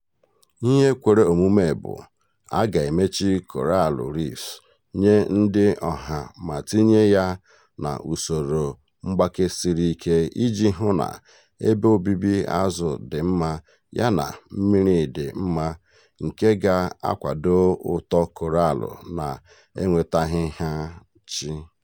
Ihe kwere omume bụ, a ga-emechi Koraalụ Reef nye ndị ọha ma tinye ya n'usoro mgbake siri ike iji hụ na ebe obibi azụ dị mma ya na mmiri dị mma nke ga-akwado uto koraalụ na nwetaghachị.